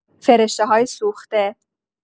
فرشته‌های سوخته